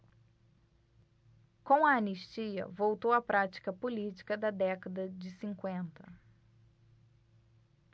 com a anistia voltou a prática política da década de cinquenta